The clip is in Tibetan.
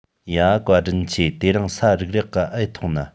ཡ བཀའ དྲིན ཆེ དེ རིང ས རུག རེག ག ཨེ ཐོན ན